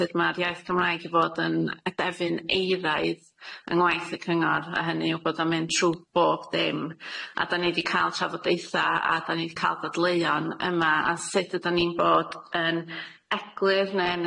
sud ma'r iaith Cymraeg i fod yn adefyn eiraidd yngwaith y cyngor a hynny yw bod o'n mynd trw bob dim a da ni di ca'l trafodaetha a do'n i di ca'l ddadleuon yma a sud ydan ni'n bod yn eglur neu yn